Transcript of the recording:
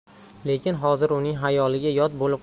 lekin hozir uning xayoliga yod bo'lib